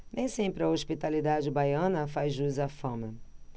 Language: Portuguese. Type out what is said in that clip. nem sempre a hospitalidade baiana faz jus à fama